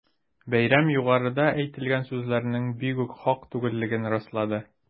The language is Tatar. Бәйрәм югарыда әйтелгән сүзләрнең бигүк хак түгеллеген раслады.